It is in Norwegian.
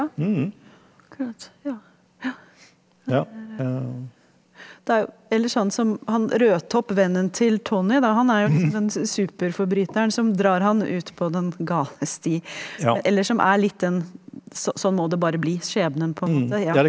ja akkurat ja ja det er det er jo eller sånn som han rødtopp, vennen til Tonnie da, han er jo liksom den superforbryteren som drar han ut på den gale sti, eller som er litt den sånn må det bare bli skjebnen på en måte ja.